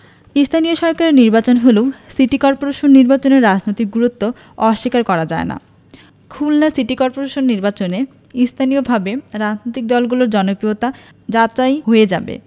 স্থানীয় সরকারের নির্বাচন হলেও সিটি করপোরেশন নির্বাচনের রাজনৈতিক গুরুত্ব অস্বীকার করা যায় না খুলনা সিটি করপোরেশন নির্বাচনে স্থানীয়ভাবে রাজনৈতিক দলগুলোর জনপ্রিয়তা যাচাই হয়ে যাবে